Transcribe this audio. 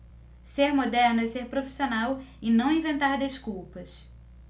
ser moderno é ser profissional e não inventar desculpas